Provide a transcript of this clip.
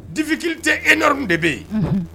Difiki tɛ e de bɛ yen